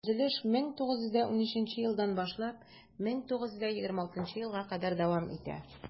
Төзелеш 1913 елдан башлап 1926 елга кадәр дәвам итә.